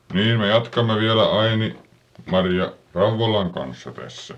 niin me jatkamme vielä Aini Maria Rauvolan kanssa tässä